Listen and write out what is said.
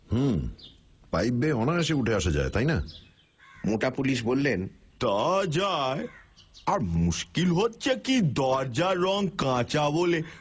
হু pipe বেয়ে অনায়াসে উঠে আসা যায় তাই না মোটা পুলিশ বললেন তা যায় আর মুশকিল হচ্ছে কী দরজার রং কাঁচা বলে